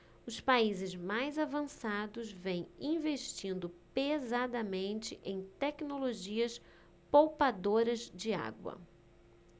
os países mais avançados vêm investindo pesadamente em tecnologias poupadoras de água